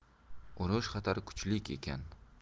urush xatari kuchlik ekan